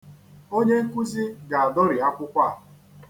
Onye nkuzi ga-adọrị akwụkwọ a.